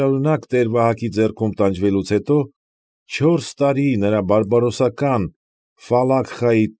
Շարունակ տեր֊Վահակի ձեռքում տանջվելուց հետո, չորս տարի նրա բարբարոսական ֆալախկայի։